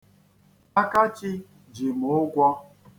Akachi ji m ụgwọ.